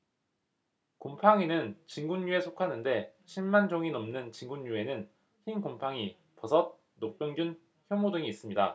곰팡이는 진균류에 속하는데 십 만 종이 넘는 진균류에는 흰곰팡이 버섯 녹병균 효모 등이 있습니다